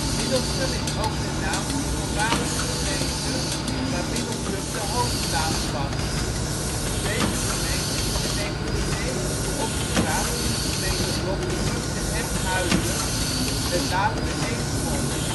Middelstum is ook de naam van de voormalige gemeente, waar Middelstum de hoofdplaats was. Deze gemeente is in 1990 opgegaan in de gemeenten Loppersum en Hefshuizen, het latere Eemsmond